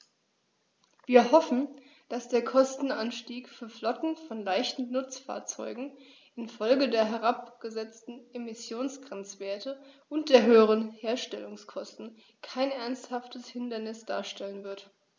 Wir hoffen, dass der Kostenanstieg für Flotten von leichten Nutzfahrzeugen in Folge der herabgesetzten Emissionsgrenzwerte und der höheren Herstellungskosten kein ernsthaftes Hindernis darstellen wird.